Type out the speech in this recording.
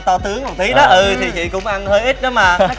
to tướng một tí đó ừ thì chị cũng ăn hơi ít đó mà